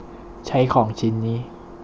ใช้ของชิ้นนี้